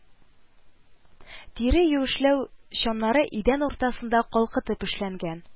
Тире юешләү чаннары идән уртасында калкытып эшләнгән